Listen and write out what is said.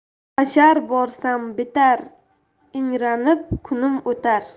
hashar borsam bitar ingranib kunim o'tar